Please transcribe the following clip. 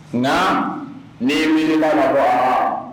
Nka n'i y'i miri la la ko Ala